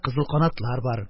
Кызылканатлар бар.